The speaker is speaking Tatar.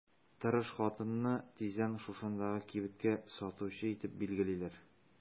Тырыш хатынны тиздән шушындагы кибеткә сатучы итеп билгелиләр.